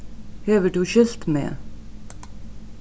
hevur tú skilt meg